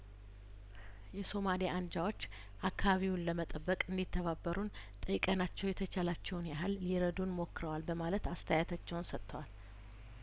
የሱማሊያ አንጃዎች አካባቢውን ለመጠበቅ እንዲ ተባበሩን ጠየቅናቸው የተቻላቸውን ያህል ሊረዱን ሞክረዋል በማለት አስተያየታቸውን ሰጥተዋል